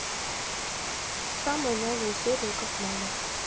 самые новые серии как мама